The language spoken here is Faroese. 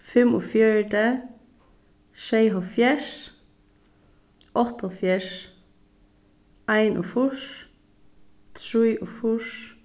fimmogfjøruti sjeyoghálvfjerðs áttaoghálvfjerðs einogfýrs trýogfýrs